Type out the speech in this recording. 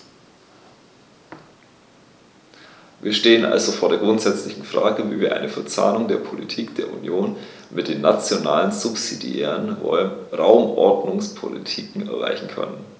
Wir stehen also vor der grundsätzlichen Frage, wie wir eine Verzahnung der Politik der Union mit den nationalen subsidiären Raumordnungspolitiken erreichen können.